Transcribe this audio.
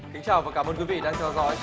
kính chào và cảm ơn quý vị đã theo dõi